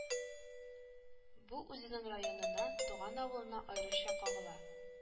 Бу үзенең районына, туган авылына аеруча кагыла